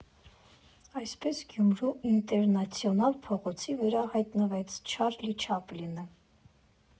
Այդպես Գյումրու Ինտերնացիոնալ փողոցի վրա հայտնվեց Չարլի Չապլինը։